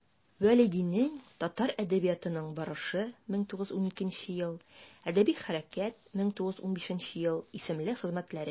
Вәлидинең «Татар әдәбиятының барышы» (1912), «Әдәби хәрәкәт» (1915) исемле хезмәтләре.